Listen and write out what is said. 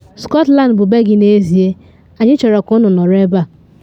Scotland bụ be gị n’ezie, anyị chọrọ ka unu nọrọ ebe a.”